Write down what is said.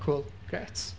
Cŵl, grêt.